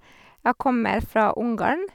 Jeg kommer fra Ungarn.